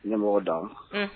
Ɲɛmɔgɔ dan